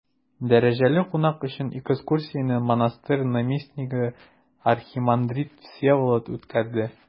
Дәрәҗәле кунак өчен экскурсияне монастырь наместнигы архимандрит Всеволод үткәрде.